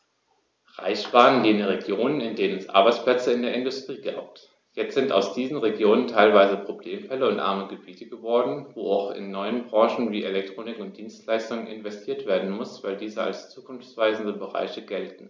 Reich waren jene Regionen, in denen es Arbeitsplätze in der Industrie gab. Jetzt sind aus diesen Regionen teilweise Problemfälle und arme Gebiete geworden, wo auch in neue Branchen wie Elektronik und Dienstleistungen investiert werden muss, weil diese als zukunftsweisende Bereiche gelten.